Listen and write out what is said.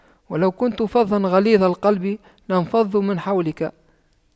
وَلَو كُنتَ فَظًّا غَلِيظَ القَلبِ لاَنفَضُّواْ مِن حَولِكَ